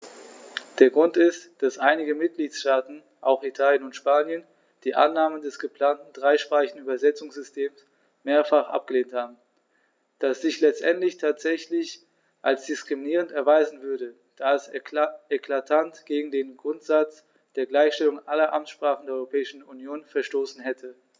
Der Grund ist, dass einige Mitgliedstaaten - auch Italien und Spanien - die Annahme des geplanten dreisprachigen Übersetzungssystems mehrfach abgelehnt haben, das sich letztendlich tatsächlich als diskriminierend erweisen würde, da es eklatant gegen den Grundsatz der Gleichstellung aller Amtssprachen der Europäischen Union verstoßen hätte.